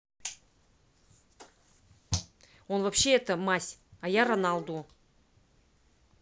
он вообще это мась а я роналду